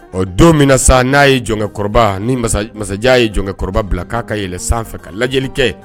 Ɔ don min na sa n' a ye jɔnkɛ kɔrɔ ni masajan ye jɔn kɔrɔ bila k'a kaɛlɛn sanfɛ ka lajɛli kɛ